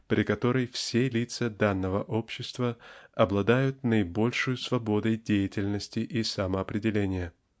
при которых все лица данного общества обладают наибольшей свободой деятельности и самоопределения.